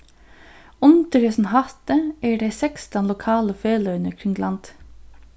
undir hesum hatti eru tey sekstan lokalu feløgini kring landið